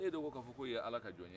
e de ko k'a fɔ k'o ye ala ka jɔn ye